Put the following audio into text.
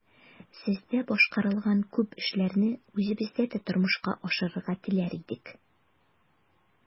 Сездә башкарылган күп эшләрне үзебездә дә тормышка ашырырга теләр идек.